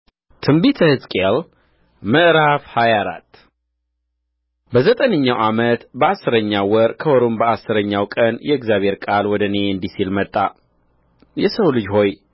ትንቢተ ሕዝቅኤል ምዕራፍ ሃያ አራት በዘጠነኛው ዓመት በአሥረኛው ወር ከወሩም በአሥረኛው ቀን የእግዚአብሔር ቃል ወደ እኔ እንዲህ ሲል መጣ የሰው ልጅ ሆይ